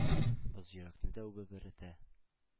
Боз йөрәкне дә үбеп эретә.